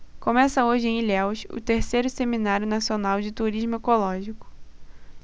começa hoje em ilhéus o terceiro seminário nacional de turismo ecológico